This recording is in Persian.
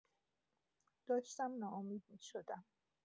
داشتم ناامید می‌شدم.